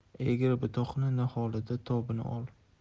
egri butoqni niholida tobini ol